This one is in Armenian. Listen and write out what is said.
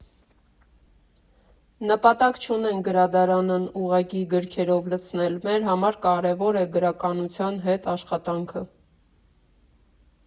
Նպատակ չունենք գրադարանն ուղղակի գրքերով լցնել, մեր համար կարևոր է գրականության հետ աշխատանքը։